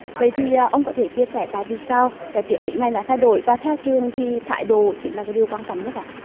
vậy thì ông có thể chia sẻ tại vì sao cái triết lý này lại thay đổi và theo trường thì thái độ chính là cái điều quan trọng nhất ạ